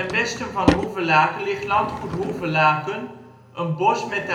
westen van Hoevelaken ligt Landgoed Hoevelaken, een bos met